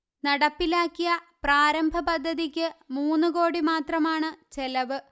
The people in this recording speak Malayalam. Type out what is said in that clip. നടപ്പിലാക്കിയ പ്രാരംഭ പദ്ധതിക്ക് മൂന്ന് കോടി മാത്രമാണ് ചെലവ്